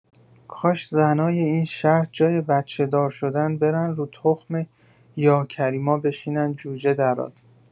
کاش زنای این شهر جای بچه‌دار شدن برن رو تخم یا کریما بشینن جوجه درآد.